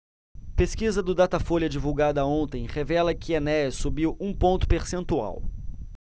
pesquisa do datafolha divulgada ontem revela que enéas subiu um ponto percentual